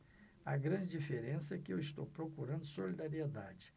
a grande diferença é que eu estou procurando solidariedade